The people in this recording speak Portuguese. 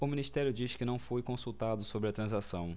o ministério diz que não foi consultado sobre a transação